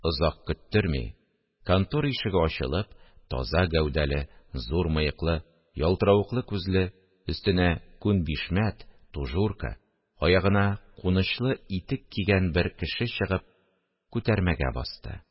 Озак көттерми, контор ишеге ачылып, таза гәүдәле, зур мыеклы, ялтыравыклы күзле, өстенә күн бишмәт (тужурка), аягына кунычлы итек кигән бер кеше чыгып, күтәрмәгә басты